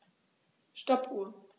Stoppuhr.